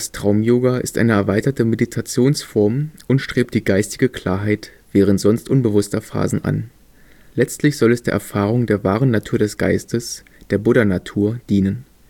Traumyoga ist eine erweiterte Meditationsform und strebt die geistige Klarheit während sonst unbewusster Phasen an; letztlich soll es der Erfahrung der wahren Natur des Geistes – der Buddhanatur – dienen. Im